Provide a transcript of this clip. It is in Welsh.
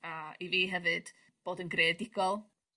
A i fi hefyd bod yn greadigol